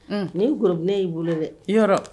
Nin ye gros bonnet y'i bolo dɛ, i yɔrɔ!